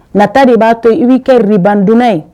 Nata de b'a to i' kɛ band ye